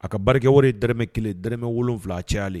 A ka barikakɛwale ye dmɛ kelen dmɛ wolo wolonwula a caya